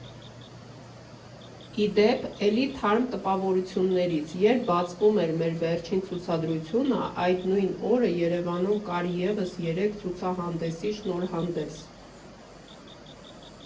Ի դեպ, էլի թարմ տպավորություններից՝ երբ բացվում էր մեր վերջին ցուցադրությունը, այդ նույն օրը Երևանում կար ևս երեք ցուցահանդեսի շնորհանդես։